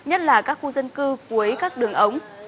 nhất là các khu dân cư cuối các đường ống